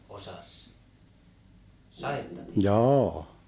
osasi sadetta tehdä